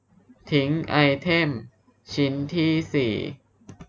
ทิ้งไอเทมชิ้นที่สี่